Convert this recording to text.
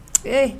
Ee